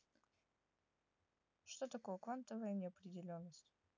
что такое квантовая неопределенность